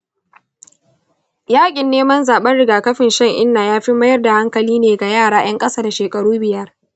yaƙin neman zaɓen rigakafin shan-inna ya fi mayar da hankali ne ga yara ‘yan ƙasa da shekaru biyar.